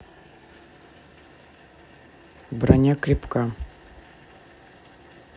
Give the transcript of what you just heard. броня крепка